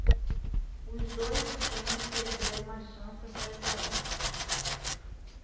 os dois times perderam uma chance atrás da outra